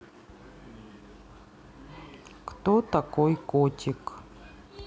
кто такой котик